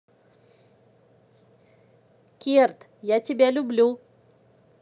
керт я тебя люблю